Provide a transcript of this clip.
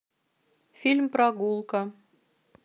фильм прогулка